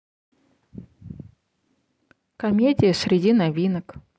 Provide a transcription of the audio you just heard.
комедия среди новинок